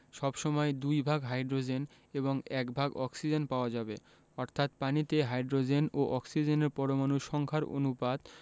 সব সময় দুই ভাগ হাইড্রোজেন এবং এক ভাগ অক্সিজেন পাওয়া যাবে অর্থাৎ পানিতে হাইড্রোজেন ও অক্সিজেনের পরমাণুর সংখ্যার অনুপাত